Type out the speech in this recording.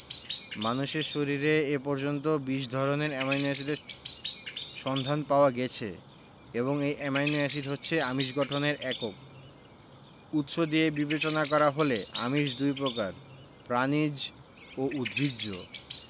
মানুষের শরীরে এ পর্যন্ত ২০ ধরনের অ্যামাইনো এসিডের সন্ধান পাওয়া গেছে এবং এই অ্যামাইনো এসিড হচ্ছে আমিষ গঠনের একক উৎস দিয়ে বিবেচনা করা হলে আমিষ দুই প্রকার প্রাণিজ ও উদ্ভিজ্জ